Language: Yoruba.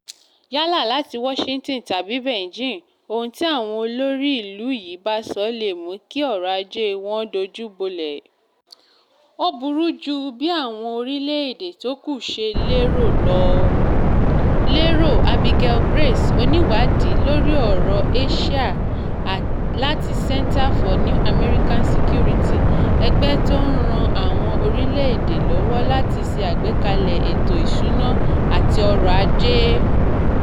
”Yálà láti Washington tàbí Beijing, ohun tí àwọn olórí ìlú yìí bá ṣọ lè mú kí ọrọ̀-ajé wọn dojúbolẹ̀. Ó burú ju bíi àwọn orílẹ̀-èdè tó kù ṣe lérò lọ,” lèrò Abigail Grace, oníwádìí lóri ọ̀rọ̀ Asia láti Center for New American Security -ẹgbẹ́ tó ń ran àwọn orílẹ̀-èdè lọ́wọ́ láti ṣe àgbékalẹ̀ ètò-ìṣúná àti ọrọ̀-ajé.